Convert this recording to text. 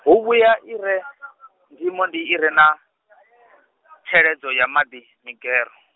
hu vhuya i re, ndimo ndi i re na, tsheledzo ya maḓi, migero.